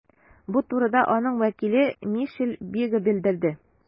Бу турыда аның вәкиле Мишель Бега белдерде.